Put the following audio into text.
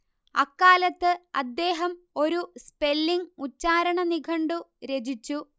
അക്കാലത്ത് അദ്ദേഹം ഒരു സ്പെല്ലിങ്ങ് ഉച്ചാരണ നിഘണ്ടു രചിച്ചു